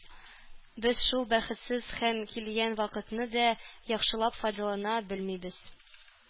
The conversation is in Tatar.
Без шул бәхетсез һәм килгән вакытны да яхшылап файдалана белмибез.